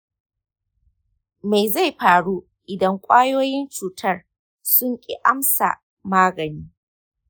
me zai faru idan kwayoyin cutar sun ƙi amsa magani?